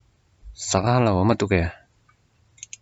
ཟ ཁང ལ འོ མ འདུག གས